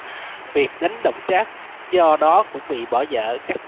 việc đánh đổng trác do đó cũng bị bỏ dở các